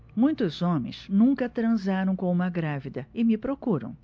muitos homens nunca transaram com uma grávida e me procuram